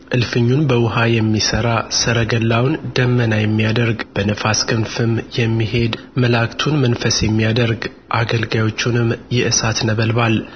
እልፍኙን በውኃ የሚሠራ ሰረገላውን ደመና የሚያደርግ በነፋስ ክንፍም የሚሄድ መላእክቱን መንፈስ የሚያደርግ አገልጋዮቹንም የእሳት ነበልባል